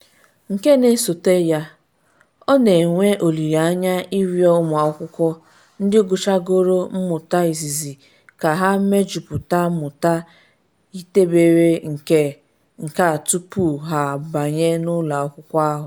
Nke na-esote ya, ọ na-enwe olile anya ịrịọ ụmụ akwụkwọ ndị gụchagoro mmụta izizi ka ha mejuputa mmụta yitebere nke a tupu ha abanye n’ụlọ akwụkwọ ahụ.